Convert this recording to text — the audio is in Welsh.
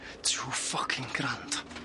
Two ffycin grand?